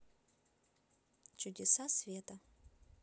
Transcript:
чудеса света